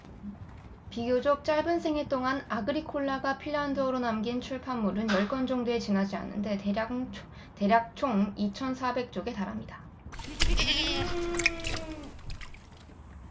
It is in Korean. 비교적 짧은 생애 동안 아그리콜라가 핀란드어로 남긴 출판물은 열 권 정도에 지나지 않는데 대략 총 이천 사백 쪽에 달합니다